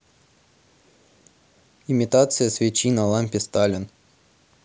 имитация свечи на лампе сталин